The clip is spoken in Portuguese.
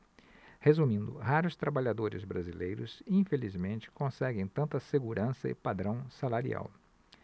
resumindo raros trabalhadores brasileiros infelizmente conseguem tanta segurança e padrão salarial